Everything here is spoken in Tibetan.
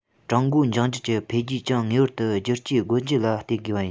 ཀྲུང གོའི འབྱུང འགྱུར གྱི འཕེལ རྒྱས ཀྱང ངེས པར དུ བསྒྱུར བཅོས སྒོ འབྱེད ལ བརྟེན དགོས པ ཡིན